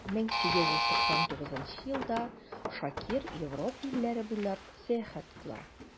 1899 елда шакир европа илләре буйлап сәяхәт кыла.